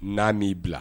N'a m'i bila